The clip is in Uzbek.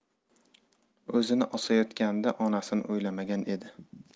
o'zini osayotganida onasini o'ylamagan edi